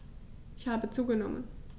Ich habe zugenommen.